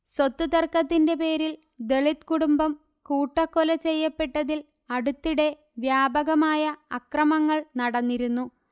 സ്വത്തു തർക്കത്തിന്റെ പേരിൽ ദളിത് കുടുംബം കൂട്ടക്കൊല ചെയ്യപ്പെട്ടതിൽ അടുത്തിടെ വ്യാപകമായ അക്രമങ്ങൾ നടന്നിരുന്നു